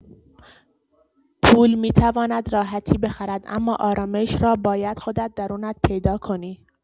پول می‌تواند راحتی بخرد اما آرامش را باید خودت درونت پیدا کنی.